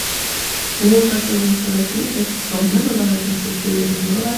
Nå første gang jeg skal reise dit etter sommeren, og da har jeg tenkt å kjøre nordover.